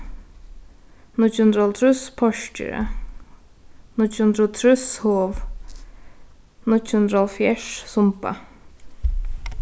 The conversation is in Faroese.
níggju hundrað og hálvtrýss porkeri níggju hundrað og trýss hov níggju hundrað og hálvfjerðs sumba